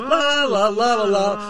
La la la la!